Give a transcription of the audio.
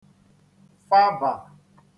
fabà